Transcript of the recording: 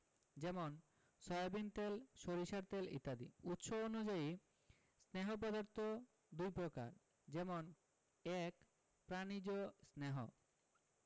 যেমন সয়াবিন তেল সরিষার তেল ইত্যাদি উৎস অনুযায়ী স্নেহ পদার্থ দুই প্রকার যেমন ১. প্রাণিজ স্নেহ